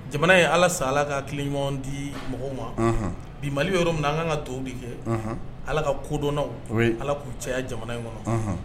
Jamana ye ala san ala ka kileɲɔgɔn di mɔgɔw ma bi mali y yɔrɔ min na an ka kan ka to di kɛ ala ka kodɔnnaw ala k'u cɛ jamana in kɔnɔ